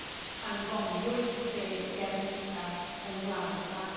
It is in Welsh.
pan fomiwyd y tre Guernica yng Ngwlad y Basg.